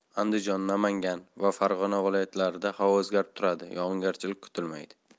andijon namangan va farg'ona viloyatlarida havo o'zgarib turadi yog'ingarchilik kutilmaydi